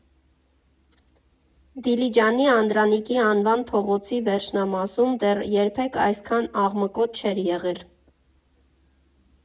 Դիլիջանի Անդրանիկի անվան փողոցի վերջնամասում դեռ երբեք այսքան աղմկոտ չէր եղել։